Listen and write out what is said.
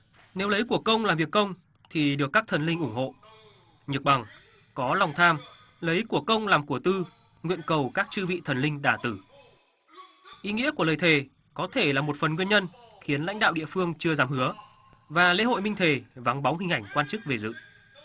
nếu lấy của công là việc công thì được các thần linh ủng hộ nhược bằng có lòng tham lấy của công làm của tư nguyện cầu các chư vị thần linh đả tử ý nghĩa của lời thề có thể là một phần nguyên nhân khiến lãnh đạo địa phương chưa dám hứa và lễ hội minh thề vắng bóng hình ảnh quan chức về dự